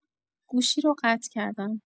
گوشی رو قطع کردم.